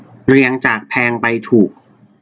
เรียงจากแพงไปถูก